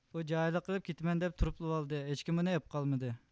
ئۇ جاھىللىق قىلىپ كېتىمەن دەپ تۇرۇپلىۋالدى ھېچكىم ئۇنى ئېپقالمىدى